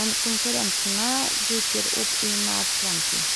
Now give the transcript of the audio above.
men konkurrentene dukker opp i nær fremtid.